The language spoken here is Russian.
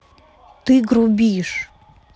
ты грубишь